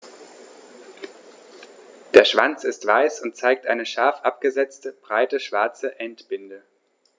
Der Schwanz ist weiß und zeigt eine scharf abgesetzte, breite schwarze Endbinde.